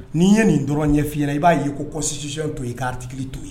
N'i ye nin dɔrɔn ɲɛf'i ɲɛna i b'a ye ko constitution to ye k' article to ye.